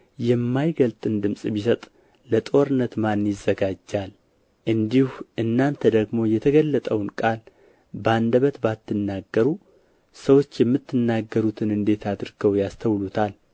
የማይገለጥን ድምፅ ቢሰጥ ለጦርነት ማን ይዘጋጃል እንዲሁ እናንተ ደግሞ የተገለጠውን ቃል በአንደበት ባትናገሩ ሰዎች የምትናገሩትን እንዴት አድርገው ያስተውሉታል